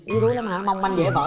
yếu đuối lắm hả mong manh dễ vỡ